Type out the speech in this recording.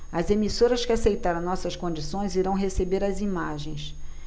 as emissoras que aceitaram nossas condições irão receber as imagens